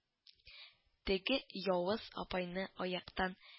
Теге явыз апайны аяктан